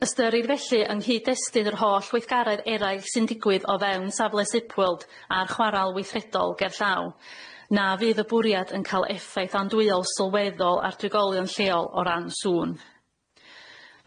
Ystyrir felly yng nghyd-destyn yr holl weithgaredd eraill sy'n digwydd o fewn safle sipworld a'r chwaral weithredol gerllaw na fydd y bwriad yn ca'l effaith andwyol sylweddol ar drigolion lleol o ran sŵn.